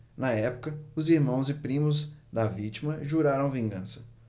na época os irmãos e primos da vítima juraram vingança